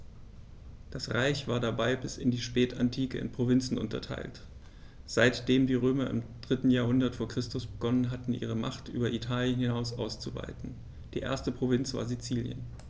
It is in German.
Das Reich war dabei bis in die Spätantike in Provinzen unterteilt, seitdem die Römer im 3. Jahrhundert vor Christus begonnen hatten, ihre Macht über Italien hinaus auszuweiten (die erste Provinz war Sizilien).